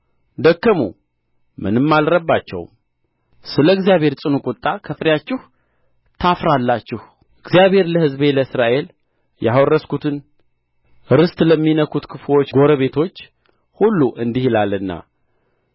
ደከሙ ምንም አልረባቸውም ስለ እግዚአብሔር ጽኑ ቍጣ ከፍሬያችሁ ታፍራላችሁ እግዚአብሔር ለሕዝቤ ለእስራኤል ያወረስሁትን ርስት ለሚነኩት ክፉዎች ጐረቤቶች ሁሉ እንዲህ ይላልና